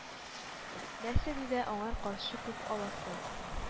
Нәрсә диде аңар каршы күк алласы?